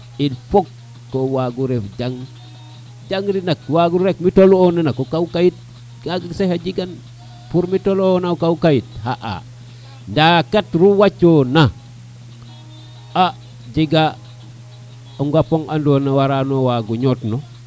il faut que o wago ref jagre nak wage ref mu to wona o kaw kayit kaga sax a jegan pour mu toloxona o kaw kayit xa a nda kat mu wacona a jega o ngapo nga ando na wara wago ñoot nu